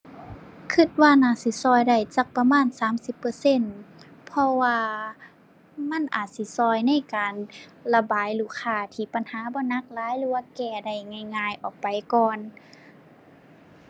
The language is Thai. คิดว่าน่าสิคิดได้จักประมาณสามสิบเปอร์เซ็นต์ เพราะว่ามันอาจสิคิดในการระบายลูกค้าที่ปัญหาบ่หนักหลายหรือว่าแก้ได้ง่ายง่ายออกไปก่อน